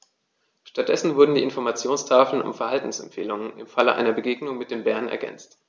Stattdessen wurden die Informationstafeln um Verhaltensempfehlungen im Falle einer Begegnung mit dem Bären ergänzt.